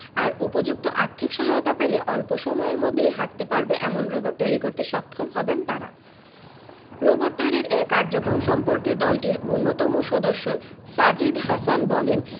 আর উপযুক্ত আর্থিক সহায়তা পেলে অল্প সময়ের মধ্যেই হাঁটতে পারে এমন রোবট তৈরি করতে সক্ষম হবেন তারা রোবট তৈরির এ কার্যক্রম সম্পর্কে দলটির অন্যতম সদস্য সাজিদ হাসান বলেন